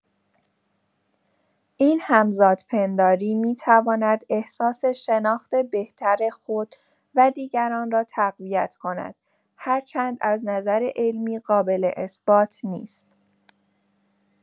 این هم‌ذات‌پنداری می‌تواند احساس شناخت بهتر خود و دیگران را تقویت کند، هرچند از نظر علمی قابل‌اثبات نیست.